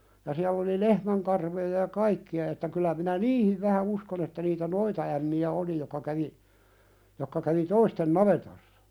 ja siellä oli lehmänkarvoja ja kaikkia että kyllä minä niihin vähän uskon että niitä noitaämmiä oli jotka kävi jotka kävi toisten navetoissa